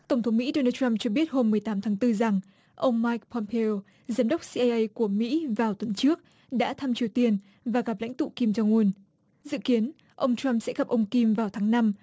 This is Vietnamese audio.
tổng thống mỹ đôn na troăm cho biết hôm mười tám tháng tư rằng ông mai pôm peo giám đốc xi ai ây của mỹ vào tuần trước đã thăm triều tiên và gặp lãnh tụ kim dông un dự kiến ông troăm sẽ gặp ông kim vào tháng năm